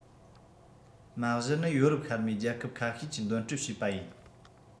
མ གཞི ནི ཡོ རོབ ཤར མའི རྒྱལ ཁབ ཁ ཤས ཀྱིས འདོན སྤྲོད བྱས པ ཡིན